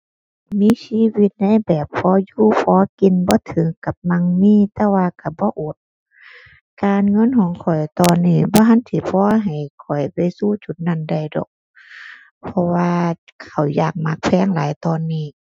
มีชีวิตในแบบพออยู่พอกิน บ่ถึงกับมั่งมีแต่ว่าก็บ่อด การเงินของข้อยตอนนี้บ่ทันสิพอให้ข้อยไปสู่จุดนั้นได้ดอก เพราะว่าข้าวยากหมากแพงหลายตอนนี้